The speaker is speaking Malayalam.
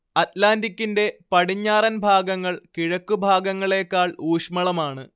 അറ്റ്‌ലാന്റിക്കിന്റെ പടിഞ്ഞാറൻ ഭാഗങ്ങൾ കിഴക്കൻ ഭാഗങ്ങളേക്കാൾ ഊഷ്മളമാണ്